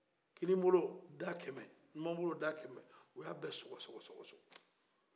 kinibolo dakɛmɛ numabolo dakɛmɛ u ye a bɛɛ sɔgɔ sɔgɔ sɔgɔ